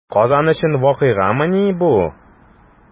Казан өчен вакыйгамыни бу?